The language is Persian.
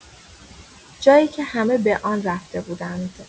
جایی که همه به آن رفته بودند.